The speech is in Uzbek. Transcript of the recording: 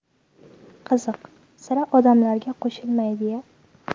qiziq sira odamlarga qo'shilmaydi ya